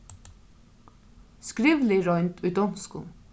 skrivlig roynd í donskum